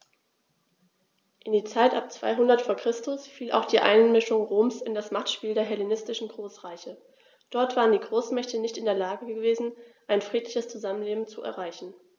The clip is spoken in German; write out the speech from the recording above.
In die Zeit ab 200 v. Chr. fiel auch die Einmischung Roms in das Machtspiel der hellenistischen Großreiche: Dort waren die Großmächte nicht in der Lage gewesen, ein friedliches Zusammenleben zu erreichen.